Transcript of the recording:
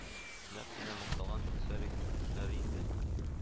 Нәкъ менә макталган Швейцария күренешләре инде